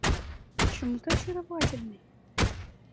почему ты очаровательный